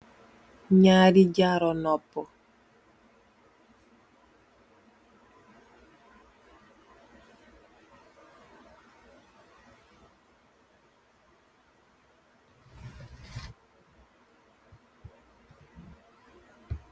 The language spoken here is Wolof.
Nyarri jààro noppu